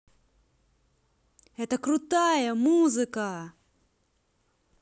это крутая музыка